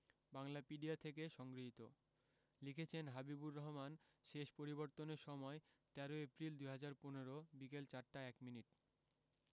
বাংলাপিডিয়া থেকে সংগৃহীত লিখেছেন: হাবিবুর রহমান শেষ পরিবর্তনের সময়ঃ১৩ এপ্রিল ২০১৫ বিকেল ৪টা ১ মিনিট